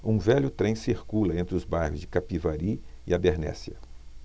um velho trem circula entre os bairros de capivari e abernéssia